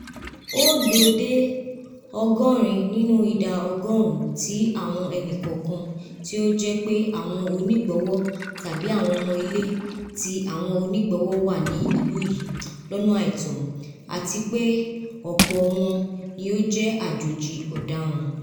"O to 80 nínú ida ọgọrun ti awọn ẹni-kọọkan ti o jẹ pe awọn onigbọwọ tabi awọn ọmọ ile ti awọn onigbọwọ wa ni ilu yii lọna aitọ, ati peọpọ wọn ni o jẹ ajoji ọdaran.